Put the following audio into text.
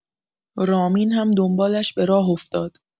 رامین هم دنبالش به راه افتاد.